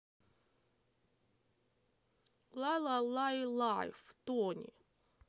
ла ла лай лайф тони